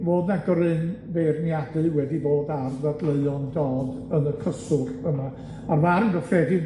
fod 'na gryn feirniadu wedi bod ar ddadleuon Dodd yn y cyswllt yma ar farn gyffredin,